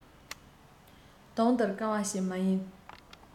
དུང ལྟར དཀར བ ཞིག མ ཡིན